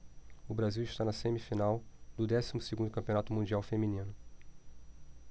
o brasil está na semifinal do décimo segundo campeonato mundial feminino